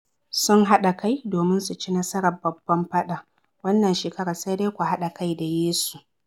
Sun haɗa kai domin su ci nasarar babban faɗan… wannan shekarar sai dai ku haɗa kai da Yesu.